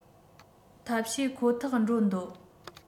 ཐབས ཤེས ཁོ ཐག འགྲོ འདོད